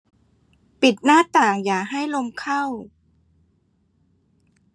ปิดหน้าต่างอย่าให้ลมเข้า